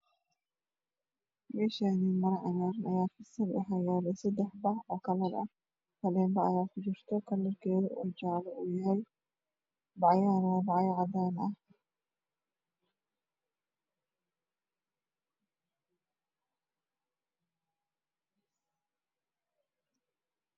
Meeshaan maro cagaaran ayaa kufidsan waxaa yaalo seddex bac oo kalar ah faleembo ayaa kujirto oo jaalo ah bacahana waa cadaan.